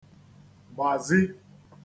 -gbàzi